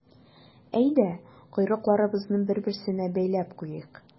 Әйдә, койрыкларыбызны бер-берсенә бәйләп куйыйк.